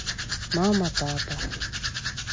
мама папа